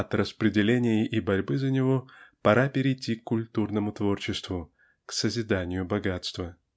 от распределения и борьбы за него пора перейти к культурному творчеству к созиданию богатства.